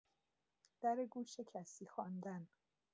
در گوش کسی خواندن